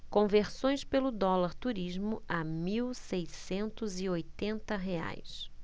conversões pelo dólar turismo a mil seiscentos e oitenta reais